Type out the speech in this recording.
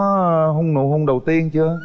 có hun nụ hun đầu tiên chưa